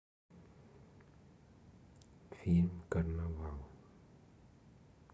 фильм карнавал